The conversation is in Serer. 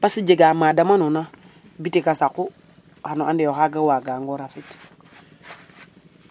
parce jega ma dama noona boutique a saqu xana ande o xaga ngo rafid